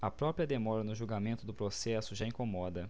a própria demora no julgamento do processo já incomoda